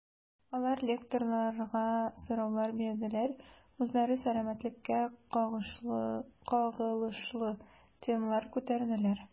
Алар лекторларга сораулар бирделәр, үзләре сәламәтлеккә кагылышлы темалар күтәрделәр.